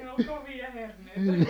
ne oli kovia herneitä